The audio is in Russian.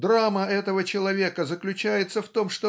Драма этого человека заключается в том